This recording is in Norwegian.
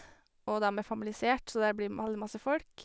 Og dem er familisert, så det blir m veldig masse folk.